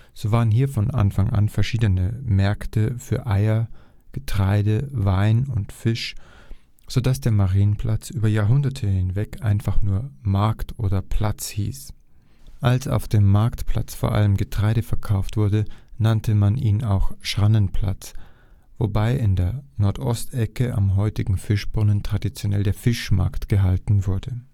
So waren hier von Anfang an verschiedene Märkte für Eier, Getreide, Wein und Fisch, so dass der Marienplatz über Jahrhunderte hinweg einfach nur " Markt " oder " Platz " hieß. Als auf dem Marktplatz vor allem Getreide verkauft wurde, nannte man ihn auch Schrannenplatz, wobei in der Nordostecke am heutigen Fischbrunnen traditionell der Fischmarkt gehalten wurde